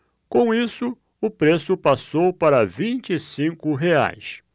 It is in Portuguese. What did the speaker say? com isso o preço passou para vinte e cinco reais